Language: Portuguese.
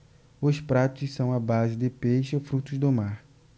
os pratos são à base de peixe e frutos do mar